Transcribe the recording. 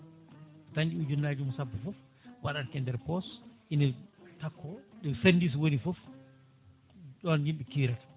dañɗo ujunaje mum sappo foof waɗat e nder poos ine takko ɗo sandiwch woni foof ɗon yimɓe kirata